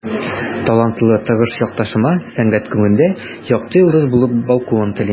Талантлы, тырыш якташыма сәнгать күгендә якты йолдыз булып балкуын телим.